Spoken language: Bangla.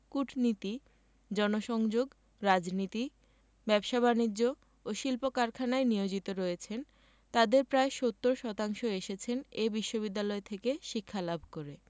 কূটনীতি জনসংযোগ রাজনীতি ব্যবসা বাণিজ্য ও শিল্প কারখানায় নিয়োজিত রয়েছেন তাঁদের প্রায় ৭০ শতাংশ এসেছেন এ বিশ্ববিদ্যালয় থেকে শিক্ষালাভ করে